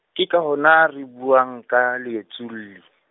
ke ka hona re buang ka leetsolli.